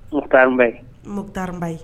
Mu ta mu ta ye